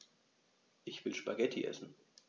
Ich will Spaghetti essen.